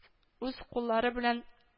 Үз куллары белән